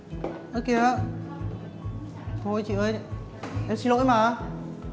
ơ kìa thôi chị ơi em xin lỗi mà